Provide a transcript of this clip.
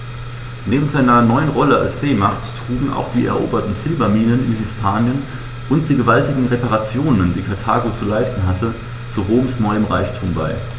Neben seiner neuen Rolle als Seemacht trugen auch die eroberten Silberminen in Hispanien und die gewaltigen Reparationen, die Karthago zu leisten hatte, zu Roms neuem Reichtum bei.